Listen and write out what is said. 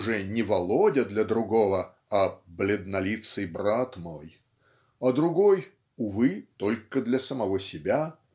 уже не Володя для другого, а "бледнолицый брат мой", а другой (увы! только для самого себя)